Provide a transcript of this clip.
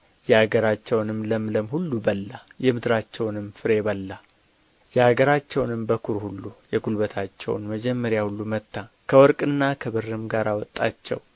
የአገራቸውንም ለምለም ሁሉ በላ የምድራቸውንም ፍሬ በላ የአገራቸውንም በኵር ሁሉ የጕልበታቸውን መጀመሪያ ሁሉ መታ ከወርቅና ከብርም ጋር አወጣቸው